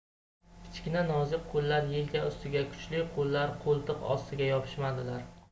kichkina nozik qo'llar yelka ustiga kuchli qo'llar qo'ltiq ostiga yopishmadilar